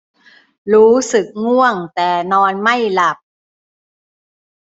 รู้สึกง่วงแต่นอนไม่หลับ